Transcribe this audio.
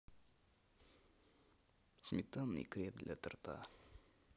сметанный крем для торта